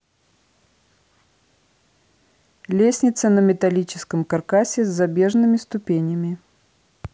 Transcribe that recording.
лестница на металлическом каркасе с забежными ступенями